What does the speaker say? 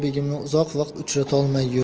begimni uzoq vaqt uchratolmay yurdi